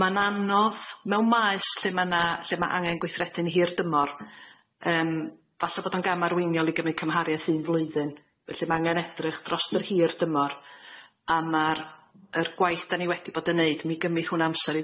Ma'n anodd mewn maes lle ma' na lle ma' angen gweithredu'n hir dymor yym falle bod o'n gam arweiniol i gymyd cymhariaeth un flwyddyn felly ma' angen edrych drost yr hir dymor a ma'r yr gwaith dan ni wedi bod yn neud mi gymith hwn amser i